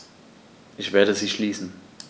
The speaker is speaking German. Ich werde sie schließen.